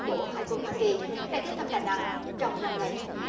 của hải quân hoa kỳ đã ghé thăm đà nẵng trong năm ngày